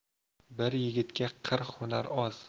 bir yigitga qirq hunar oz